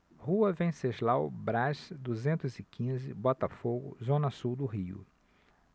rua venceslau braz duzentos e quinze botafogo zona sul do rio